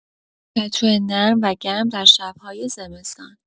پتو نرم و گرم در شب‌های زمستان